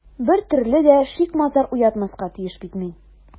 Бер төрле дә шик-мазар уятмаска тиеш бит мин...